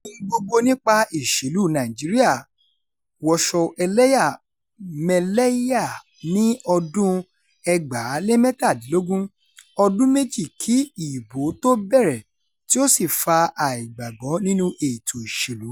Ohun gbogbo nípa ìṣèlú Nàìjíríà wọṣọ ẹlẹ́yàmẹ́lẹ́yá ní 2017, ọdún méjì kí ìbò ó tó bẹ̀rẹ̀, tí ó sì fa àìgbàgbọ́ nínú ètò ìṣèlú.